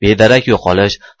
bedarak yo'qolish